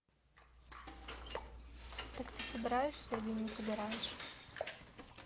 так ты собираешься или не собираешь